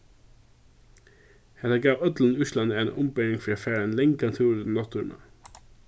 hetta gav øllum í íslandi eina umbering fyri at fara ein langan túr út í náttúruna